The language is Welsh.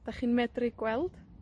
'Dych chi'n medru gweld?